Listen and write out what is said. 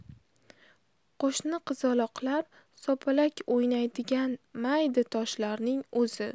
qo'shni qizaloqlar sopalak o'ynaydigan mayda toshlarning o'zi